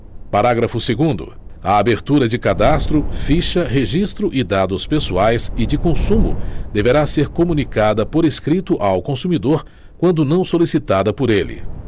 parágrafo segundo a abertura de cadastro ficha registro e dados pessoais e de consumo deverá ser comunicada por escrito ao consumidor quando não solicitada por ele